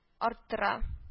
Арттыра